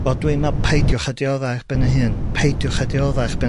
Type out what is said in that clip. Wel dwi'n me'wl peidiwch â diodda ar 'ych ben y hun, peidiwch, peidiwch a diodda ar 'ych ben 'ych